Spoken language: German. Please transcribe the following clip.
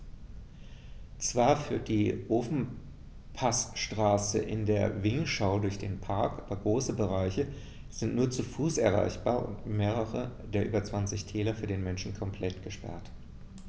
Zwar führt die Ofenpassstraße in den Vinschgau durch den Park, aber große Bereiche sind nur zu Fuß erreichbar und mehrere der über 20 Täler für den Menschen komplett gesperrt.